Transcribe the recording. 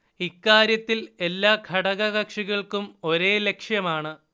ഇക്കാര്യത്തിൽ എല്ലാ ഘടക കക്ഷികൾക്കും ഒരേ ലക്ഷ്യമാണ്